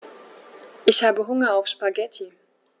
Ich habe Hunger auf Spaghetti.